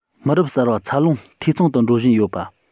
མི རབས གསར པ འཚར ལོངས འཐུས ཚང དུ འགྲོ བཞིན ཡོད པ